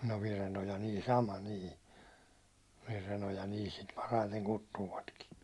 no Virenoja niin sama niin Virenoja niin sitä parhaiten kutsuvatkin